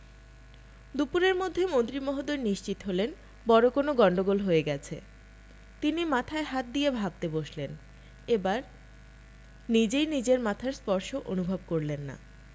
দুপুরের মধ্যে মন্ত্রী মহোদয় নিশ্চিত হলেন বড় কোনো গন্ডগোল হয়ে গেছে তিনি মাথায় হাত দিয়ে ভাবতে বসলেন এবার নিজেই নিজের মাথার স্পর্শ অনুভব করলেন না